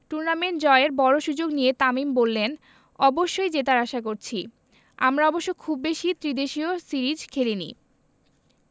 tournament জয়ের বড় সুযোগ নিয়ে তামিম বললেন অবশ্যই জেতার আশা করছি আমরা অবশ্য খুব বেশি ত্রিদেশীয় সিরিজ খেলিনি